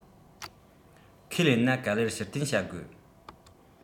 ཁས ལེན ན ག ལེར ཕྱིར འཐེན བྱ དགོས